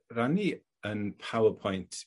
rhannu 'yn Power Point